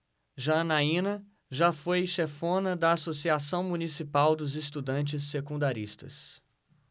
janaina foi chefona da ames associação municipal dos estudantes secundaristas